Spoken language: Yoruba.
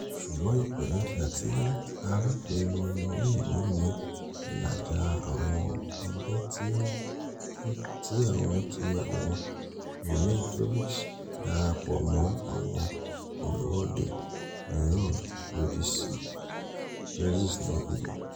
Ṣugbọn ipenija ti Arabinrin May ni ni ilaja awọn ẹgbẹ ti o pin ti awọn ti awọn Remain Tories darapọ mọ awọn oluwọde miiran lodisi Brexit ni ilu.